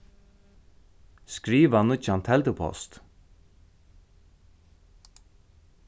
skriva nýggjan teldupost